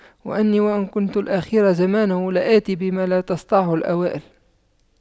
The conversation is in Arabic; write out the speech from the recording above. وإني وإن كنت الأخير زمانه لآت بما لم تستطعه الأوائل